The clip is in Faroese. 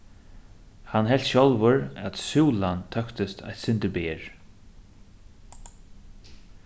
hann helt sjálvur at súlan tóktist eitt sindur ber